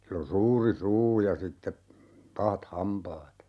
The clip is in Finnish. sillä on suuri suu ja sitten pahat hampaat